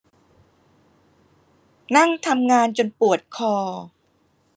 นั่งทำงานจนปวดคอ